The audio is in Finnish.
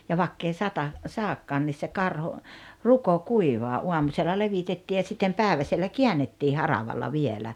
ja vaikka ei - sadakaan niin se karho ruko kuivaa aamusella levitettiin ja sitten päiväsellä käännettiin haravalla vielä